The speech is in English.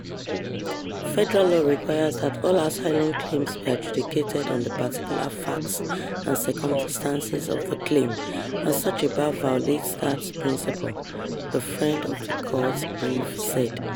"Federal law requires that all asylum claims be adjudicated on the particular facts and circumstances of the claim, and such a bar violates that principle," the friend-of-the court brief said.